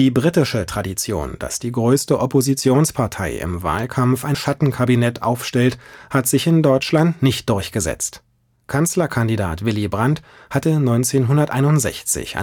britische Tradition, dass die größte Oppositionspartei im Wahlkampf ein „ Schattenkabinett “aufstellt, hat sich in Deutschland nicht durchgesetzt. Kanzlerkandidat Willy Brandt hatte 1961